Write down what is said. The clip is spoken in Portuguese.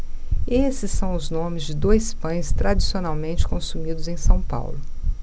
esses são os nomes de dois pães tradicionalmente consumidos em são paulo